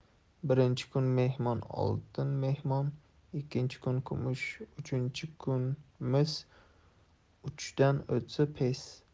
birinchi kun mehmon oltin mehmon ikkinchi kun kumush uchinchi kun mis uchdan o'tsa pes